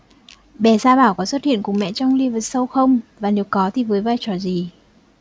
bé gia bảo có xuất hiện cùng mẹ trong live show không và nếu có thì với vai trò gì